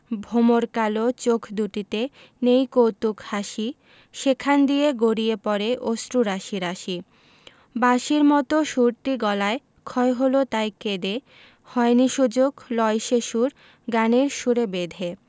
মিষ্টি তাহার মুখ টি হতে হাসির প্রদিপ রাশি থাপড়েতে নিবিয়ে দেছে দারুণ অভাব আসি পরনে তার শতেক তালির শতেক ছেঁড়া বাস সোনালি তার গা বরণের করছে উপহাস